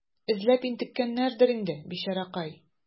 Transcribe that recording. Эзләп интеккәндер инде, бичаракай.